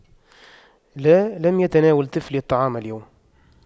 لا لم يتناول طفلي الطعام اليوم